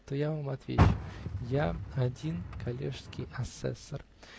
- то я вам отвечу: я один коллежский асессор.